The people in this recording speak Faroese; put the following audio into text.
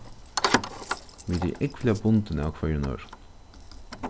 vit eru ógvuliga bundin av hvørjum øðrum